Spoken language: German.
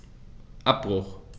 Abbruch.